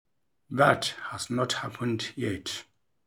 That has not happened yet.